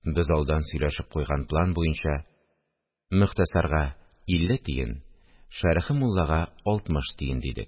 Без алдан сөйләшеп куйган план буенча: – «Мохтәсар»га – илле тиен, «Шәрехе мулла»га – алтмыш тиен, – дидек